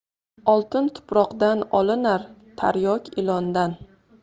oltin tuproqdan olinar taryok ilondan